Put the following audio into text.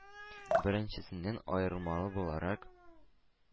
Беренчесеннән аермалы буларак,